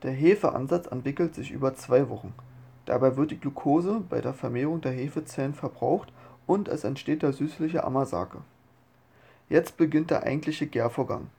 Hefeansatz entwickelt sich über zwei Wochen, dabei wird die Glukose bei der Vermehrung der Hefezellen verbraucht und es entsteht der süßliche Amazake. Jetzt beginnt der eigentliche Gärvorgang